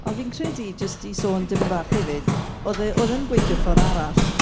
Ond fi'n credu, jyst i sôn dipyn bach hefyd, oedd e oedd e'n gweithio ffor' arall.